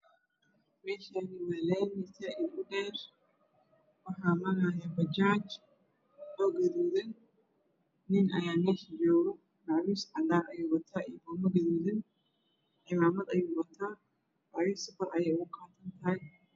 Meeshaan waa laami waxaa maraayo bajaaj oo gaduudan nin ayaa meesha joogo macawis cadaan ayuu wataa iyo buume gaduudan iyo cimaamad. Macawistu kor ayay ugu qaadan tahay.